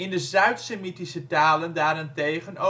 de Zuid-Semitische talen daarentegen